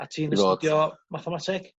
a ti'n astudio Mathemateg